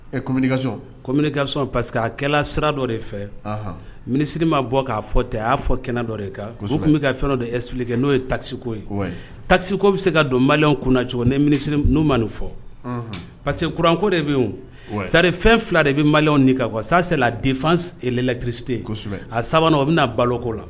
Kamkasɔn pa que a kɛlɛ sira dɔ de fɛ minisiri ma bɔ k'a fɔ tɛ a y'a fɔ kɛnɛ dɔ de kan tun bɛ ka fɛn dɔ don esfili kɛ n'o ye tasiko ye takisi ko bɛ se ka don maliw kunna cogo ni n'u ma nin fɔ pa que kuranko de bɛ sari fɛn fila de bɛ maliw nin kan kɔ sa dela kirisite a sabanan o bɛna baloko la